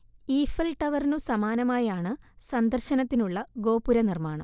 Eiffel ടവറിനു സമാനമായി ആണ് സന്ദര്ശനത്തിനുള്ള ഗോപുര നിർമാണം